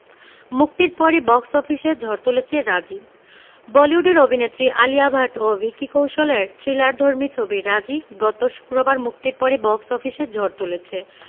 মুক্তির পরই বক্স অফিসে ঝড় তুলেছে রাজি বলিউড এর অভিনেত্রী আলিয়া ভাট এবং ভিকি কৌশলের থ্রিলারধর্মী ছবি রাজী গত শুক্রবার মুক্তির পরই বক্স অফিসে ঝড় তুলেছে